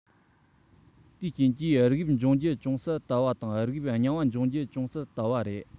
དེའི རྐྱེན གྱིས རིགས དབྱིབས འབྱུང རྒྱུ ཅུང ཟད དལ བ དང རིགས དབྱིབས རྙིང བ འཇིག རྒྱུ ཡང དལ བ རེད